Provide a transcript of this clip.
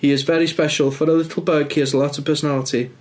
He is very special for a little bug he has a lots of personality.